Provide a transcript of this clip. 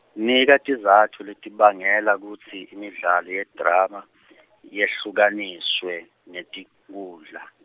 nika tizatfu letibangela kutsi imidlalo yedrama , yehlukaniswe, ngetinkhundla.